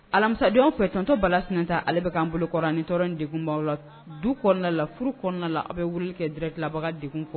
Alamisadenw fɛtɔntɔnba senta ale bɛ' an bolo kɔrɔ nitɔ debaw la du kɔnɔna la furu kɔnɔna la aw bɛ wuli kɛ dtilabaga de kɔ